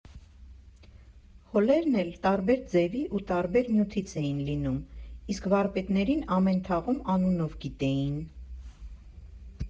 Հոլերն էլ տարբեր ձևի ու տարբեր նյութից էին լինում, իսկ վարպետներին ամեն թաղում անունով գիտեին։